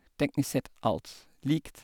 Teknisk sett alt likt.